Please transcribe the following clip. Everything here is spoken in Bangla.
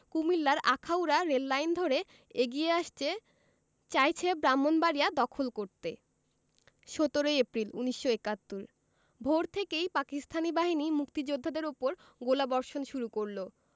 কুমিল্লার আখাউড়া রেললাইন ধরে এগিয়ে আসছে চাইছে ব্রাহ্মনবাড়িয়া দখল করতে ১৭ এপ্রিল ১৯৭১ ভোর থেকেই পাকিস্তানি বাহিনী মুক্তিযোদ্ধাদের উপর গোলাবর্ষণ শুরু করল